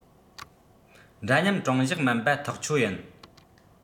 འདྲ མཉམ དྲང གཞག མིན པ ཐག ཆོད ཡིན